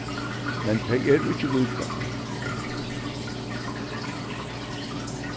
men tey eru ikki líka